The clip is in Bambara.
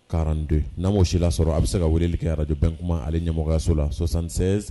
42 n'a mo si sɔrɔ a' bɛ se ka weleli kɛ arajo bɛnkuma ale ɲɛmɔgɔyaso la 76